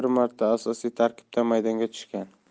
marta asosiy tarkibda maydonga tushgan